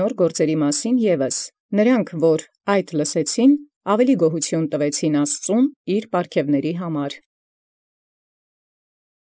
Այնր ևս նորագործ իրացն. որք իբրև լուան, առաւել գոհանային զպարգևացն Աստուծոյ։